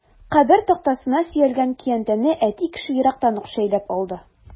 Кабер тактасына сөялгән көянтәне әти кеше ерактан ук шәйләп алды.